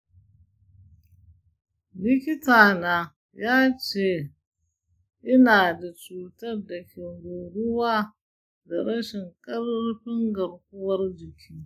likitana ya ce ina da cutar da ke ruruwa da rashin ƙarfin garkuwar jiki.